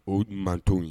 O dun man to yen.